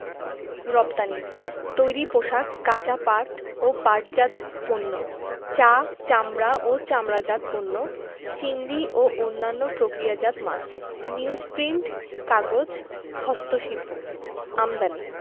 রপ্তানিঃ তৈরি পোশাক কাঁচা পাট ও পাটজাত পণ্য চা চামড়া ও চামড়াজাত পণ্য চিংড়ি ও অন্যান্য প্রক্রিয়াজাত মাছ নিউজপ্রিন্ট কাগজ হস্তশিল্প আমদানি